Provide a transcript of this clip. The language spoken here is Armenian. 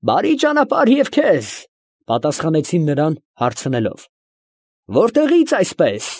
Բարի՛ ճանապարհ և քեզ, ֊ պատասխանեցին նրան, հարցնելով. ֊ Որտեղի՞ց այսպես։